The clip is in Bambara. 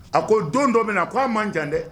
A ko don dɔ min na a ko' a man jan dɛ